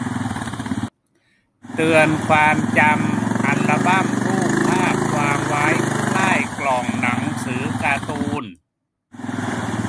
เตือนความจำอัลบัมรูปภาพวางไว้ใกล้กล่องหนังสือการ์ตูน